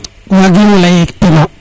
wagimo leye kene yo